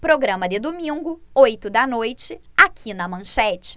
programa de domingo oito da noite aqui na manchete